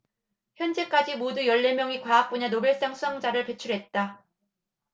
현재까지 모두 열 네 명의 과학분야 노벨상 수상자를 배출했다